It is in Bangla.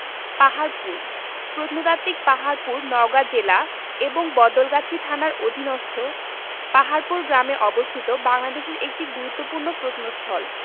পাহাড়পুর প্রত্নতাত্ত্বিক পাহাড়পুর নওগাঁ জেলা এবং বদলগাছী থানার অধীনস্থ পাহাড়পুর গ্রামে অবস্থিত বাংলাদেশের একটি গুরুত্বপূর্ণ প্রত্নস্থল